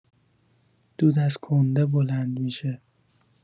دود از کنده بلند می‌شه